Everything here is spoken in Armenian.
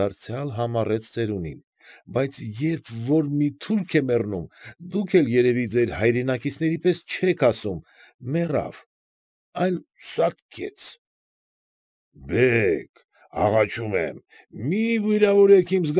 Դարձյալ համառեց ծերունին,֊ բայց երբ որ մի թուրք է մեռնում, դուք էլ երևի ձեր հայրենակիցների պես չեք ասում «մեռավ», այլ «սատկեց»։ ֊ Բե՛գ, աղաչում եմ, մի՛ վիրավորեք իմ։